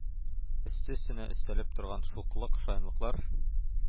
Өсте-өстенә өстәлеп торган шуклык-шаянлыклар,